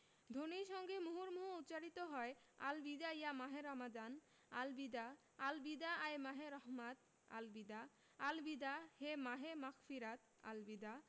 ধ্বনির সঙ্গে মুহুর্মুহু উচ্চারিত হয় আল বিদা ইয়া মাহে রমাদান আল বিদা আল বিদা আয় মাহে রহমাত আল বিদা আল বিদা হে মাহে মাগফিরাত আল বিদা